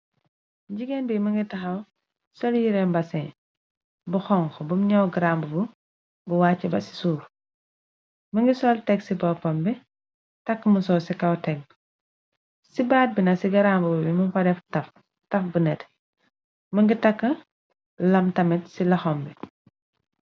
jigéen bi mënga taxaw sol yirem basin bu xonk bu ñaw gramb bu bu wàcc ba ci suur më ngi sol teg ci boppam bi takk mu soo ci kaw tegg ci baat bina ci gramb b bimu fareef tax bu net më ngi takk lam tamit ci laxam bi